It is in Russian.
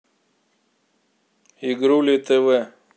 игрули тв